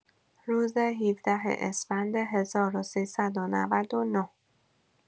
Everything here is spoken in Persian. روز ۱۷ اسفند ۱۳۹۹